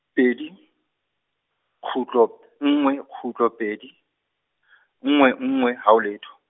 pedi, kgutlo , nngwe, kgutlo pedi , nngwe nngwe, haho letho.